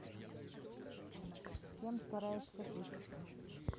кем стараешься быть